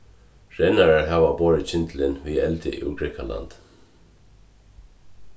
rennarar hava borið kyndilin við eldi úr grikkalandi